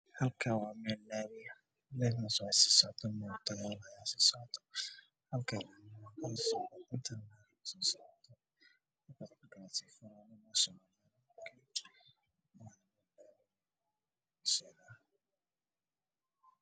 Halkan oo mid lami ah waxaa si socota bajaaj guduudan waxaa soo socoto naag